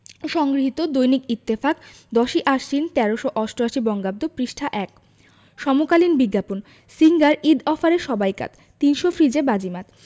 সংগৃহীত দৈনিক ইত্তেফাক ১০ই আশ্বিন ১৩৮৮ বঙ্গাব্দ পৃষ্ঠা – ১ সমকালীন বিজ্ঞাপন সিঙ্গার ঈদ অফারে সবাই কাত ৩০০ ফ্রিজে বাজিমাত